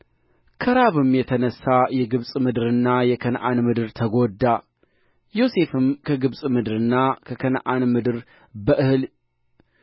ከራብም የተነሣ የግብፅ ምድርና የከነዓን ምድር ተጎዳ ዮሴፍም ከግብፅ ምድርና ከከነዓን ምድር በእህል